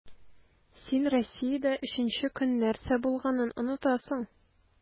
Син Россиядә өченче көн нәрсә булганын онытасың.